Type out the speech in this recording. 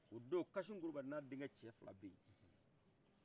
o don kasum kulubali n'a denkɛ cɛ fila bɛ ye